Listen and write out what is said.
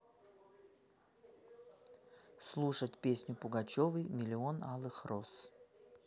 слушать песню пугачевой миллион алых роз